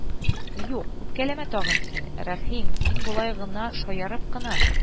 Юк, үпкәләмә тагын син, Рәхим, мин болай гына, шаярып кына